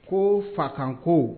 Ko fa kan ko